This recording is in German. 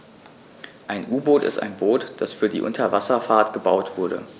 Ein U-Boot ist ein Boot, das für die Unterwasserfahrt gebaut wurde.